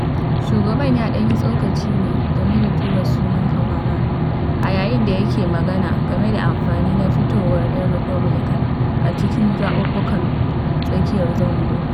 Shugaban ya ɗan yi tsokaci ne game da tura sunan Kavanaugh a yayin da yake magana game da amfani na fitowar ‘yan Republican a cikin zaɓuɓɓukan tsakiyar zango.